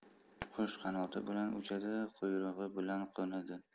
qush qanoti bilan uchadi quyrug'i bilan qo'nadi